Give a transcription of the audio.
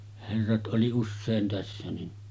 herrat oli usein tässä niin